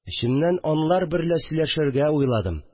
Эчемнән алар берлә сөйләшергә уйладым